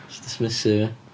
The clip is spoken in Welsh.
Jyst dismissive ia.